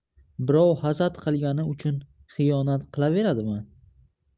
birov hasad qilgani uchun xiyonat qilaveradimi